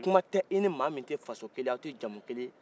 kuma tɛ i ni maa min tɛ jamu kelen ye a tɛ kabila kelen ye